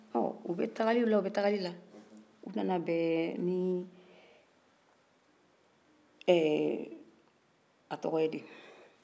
u bɛ tagali la u bɛ tagali la u nana bɛ ni ɛɛ a tɔgɔ ye di